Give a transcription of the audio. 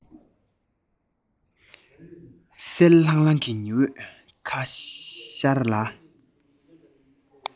གསལ ལྷང ལྷང གི ཉི འོད ཁ ཤར ལ